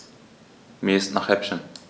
Mir ist nach Häppchen.